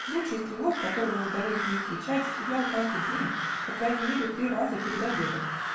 Лучший стрелок, которого удалось мне встречать, стрелял каждый день, по крайней мере три раза перед обедом.